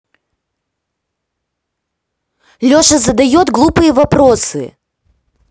леша задает глупые вопросы